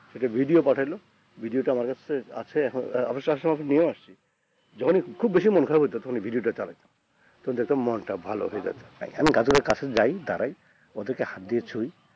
সে একটা ভিডিও পাঠালে ভিডিওটা আমার কাছে আছে এখনো অবশ্য সময় নিয়েও আসছি যখনই খুব বেশি মন খারাপ হত তখনই ভিডিওটা চালায়তাম তখন দেখতাম মনটা ভালো হয়ে যেত এখন গাছগুলোর কাছে যাই দাঁড়াই ওদেরকে হাত দিয়ে ছুই